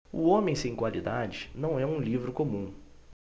o homem sem qualidades não é um livro comum